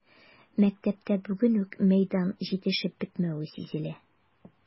Мәктәптә бүген үк мәйдан җитешеп бетмәве сизелә.